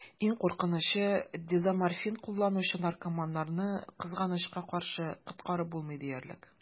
Иң куркынычы: дезоморфин кулланучы наркоманнарны, кызганычка каршы, коткарып булмый диярлек.